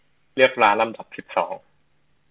เลือกร้านลำดับสิบสอง